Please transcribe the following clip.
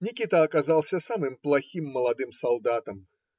Никита оказался самым плохим молодым солдатом.